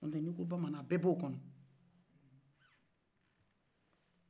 n'o tɛ n' e ko bamanan bɛ be o kɔnɔ